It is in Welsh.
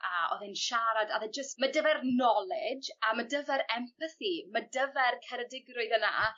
a o'dd e'n siarad a o'dd e jyst ma' 'dy fe'r knowledge a ma' 'dy fe'r empathi ma' 'dy fe'r ceredigrwydd yna